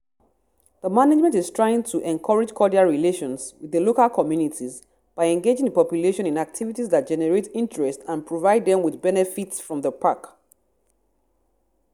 The management is trying to encourage cordial relations with the local communities by engaging the population in activities that generate interest and provide them with benefits from the park.